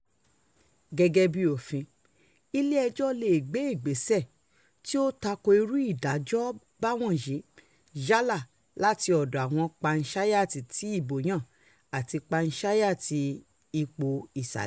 Gẹ́gẹ́ bí òfin, ilé ẹjọ́ lé gbé ìgbésẹ̀ tí ó tako irúu ìdájọ́ báwọ̀nyí yálà láti ọ̀dọ̀ àwọn panchayat tí ìbó yàn àti panchayat ipò-ìsàlẹ̀.